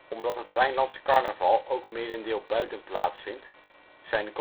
Omdat het Rijnlands carnaval ook merendeel buiten plaatsvindt, zijn